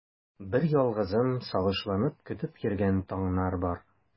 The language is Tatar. Берьялгызым сагышланып көтеп йөргән таңнар бар.